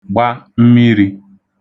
gba mmirī